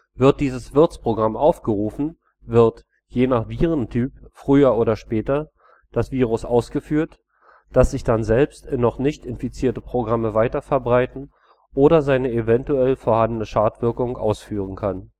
Wird dieses Wirtsprogramm aufgerufen, wird – je nach Virentyp früher oder später – das Virus ausgeführt, das sich dann selbst in noch nicht infizierte Programme weiterverbreiten oder seine eventuell vorhandene Schadwirkung ausführen kann